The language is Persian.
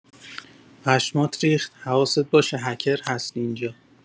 پشمات ریخت هواست باشه هکر هست اینجا